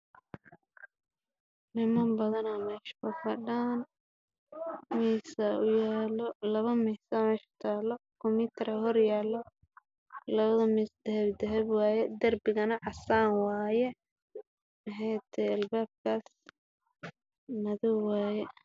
Niman badan oo meel fadhiyo labo miiis ayaa hor yaalo